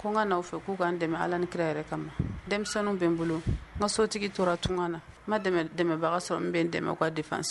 Ko' n ka n'a fɛ k'u ka dɛmɛ ala ni kira yɛrɛ kama denmisɛnninw bɛ n bolo n so tigi tora tun na n ma dɛmɛbaga sɔrɔ n bɛ n dɛmɛ'a fansɛn